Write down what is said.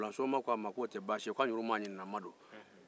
bulɔsoma k'o te baasi ye k'anw yɛrɛw maaɲini na